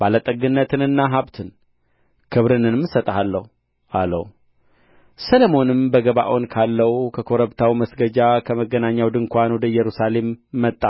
ባለጠግነትንና ሀብትን ክብርንም እሰጥሃለሁ አለው ሰሎሞንም በገባዖን ካለው ከኮረብታው መስገጃ ከመገናኛው ድንኳን ወደ ኢየሩሳሌም መጣ